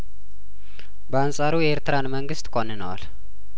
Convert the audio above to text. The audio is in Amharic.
በአንጻሩ የኤርትራን መንግስት ኮን ነዋል